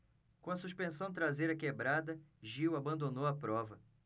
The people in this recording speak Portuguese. com a suspensão traseira quebrada gil abandonou a prova